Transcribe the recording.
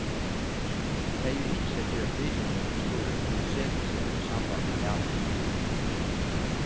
tey ið ynskja at gerast vitjanarvinir í suðuroy kunnu seta seg í samband við hana